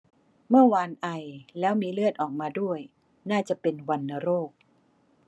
เมื่อวานไอแล้วมีเลือดออกมาด้วยน่าจะเป็นวัณโรค